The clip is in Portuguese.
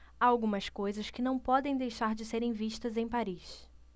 há algumas coisas que não podem deixar de serem vistas em paris